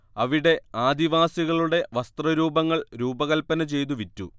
അവിടെ ആദിവാസികളുടെ വസ്ത്രരൂപങ്ങൾ രൂപകൽപ്പന ചെയ്തു വിറ്റു